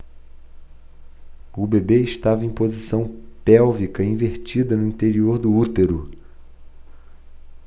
o bebê estava em posição pélvica invertida no interior do útero